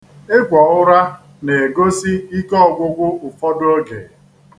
Ịgwọ ụra na-egosi ike ọgwụgwụ ụfọdụ oge.